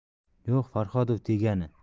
yo'q farhodov degani